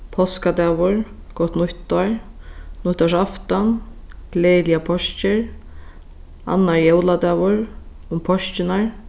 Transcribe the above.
páskadagur gott nýttár nýttársaftan gleðiligar páskir annar jóladagur um páskirnar